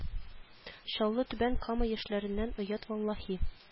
Чаллы түбән кама яшьләреннән оят валлаһи